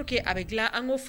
Ke a bɛ dilan an